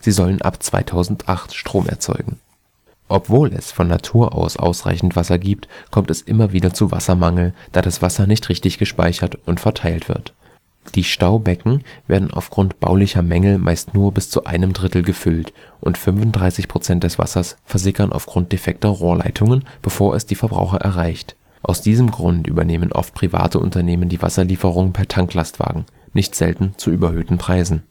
sollen ab 2008 Strom erzeugen. Obwohl es von Natur aus ausreichend Wasser gibt, kommt es immer wieder zu Wassermangel, da das Wasser nicht richtig gespeichert und verteilt wird. Die Staubecken werden auf Grund baulicher Mängel meist nur bis zu einem Drittel gefüllt und 35 % des Wassers versickern auf Grund defekter Rohrleitungen, bevor es die Verbraucher erreicht. Aus diesem Grund übernehmen oft private Unternehmen die Wasserlieferung per Tanklastwagen, nicht selten zu überhöhten Preisen